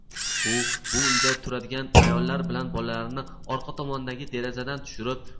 u bu uyda turadigan ayollar bilan bolalarni orqa tomondagi derazadan tushirib